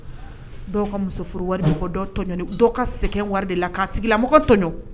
Dɔw ka muso furu wari dɔw tɔ dɔw ka sɛgɛ wari de la k' tigi la ma tɔjɔn